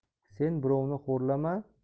sen birovni xo'rlama